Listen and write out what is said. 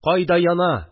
– кайда яна